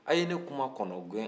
a' ye ne kuma kɔnɔ gɛn